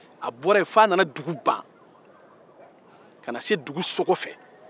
a bɔra ye f'a nana dugu ban ka na se dugu so kɔfɛ